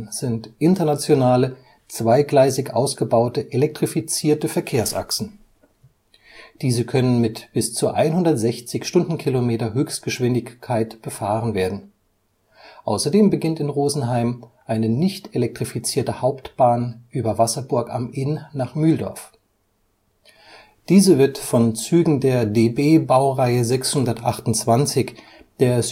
sind internationale, zweigleisig ausgebaute, elektrifizierte Verkehrsachsen. Diese können mit bis zu 160 km/h Höchstgeschwindigkeit befahren werden. Außerdem beginnt in Rosenheim eine nicht elektrifizierte Hauptbahn über Wasserburg am Inn nach Mühldorf (VzG 5700). Diese wird von Zügen der DB-Baureihe 628 der